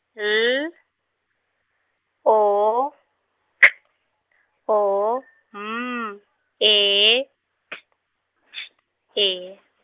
L O K O M E T Š E.